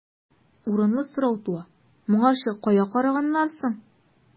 Урынлы сорау туа: моңарчы кая караганнар соң?